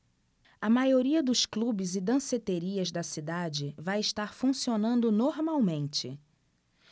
a maioria dos clubes e danceterias da cidade vai estar funcionando normalmente